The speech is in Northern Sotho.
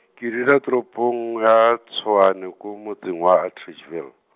ke dula toropong ya Tshwane, ko motseng wa Atteridgeville.